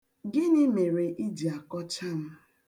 Gịnị mere i ji akọcha m?